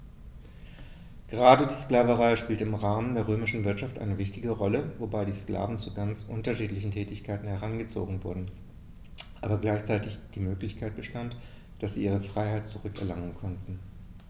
Gerade die Sklaverei spielte im Rahmen der römischen Wirtschaft eine wichtige Rolle, wobei die Sklaven zu ganz unterschiedlichen Tätigkeiten herangezogen wurden, aber gleichzeitig die Möglichkeit bestand, dass sie ihre Freiheit zurück erlangen konnten.